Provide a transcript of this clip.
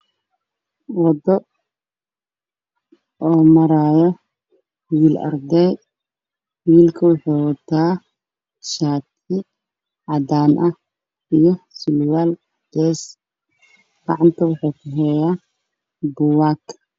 Waddo oo maraayo wiil arday ah